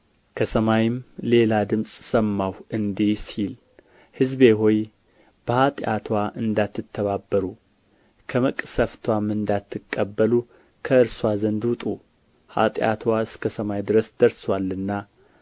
ከሰማይም ሌላ ድምፅ ሰማሁ እንዲህ ሲል ሕዝቤ ሆይ በኃጢአትዋ እንዳትተባበሩ ከመቅሠፍትዋም እንዳትቀበሉ ከእርስዋ ዘንድ ውጡ ኃጢአትዋ እስከ ሰማይ ድረስ ደርሶአልና